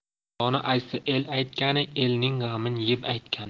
dono aytsa el aytgani elning g'amin yeb aytgani